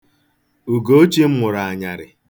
Ugochi mụrụ anyarị.